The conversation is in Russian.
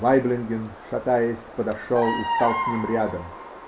Вайблинген, шатаясь, подошел и стал с ним рядом.